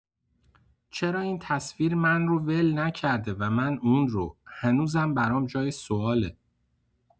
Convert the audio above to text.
چرا این تصویر من رو ول نکرده و من اون رو، هنوزم برام جای سؤاله.